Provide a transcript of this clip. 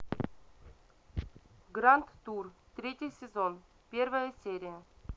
гранд тур третий сезон первая серия